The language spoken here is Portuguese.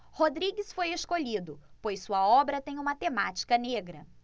rodrigues foi escolhido pois sua obra tem uma temática negra